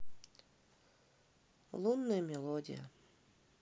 лунная мелодия